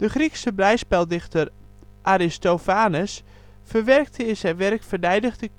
Griekse blijspeldichter Aristophanes verwerkte in zijn werk venijnige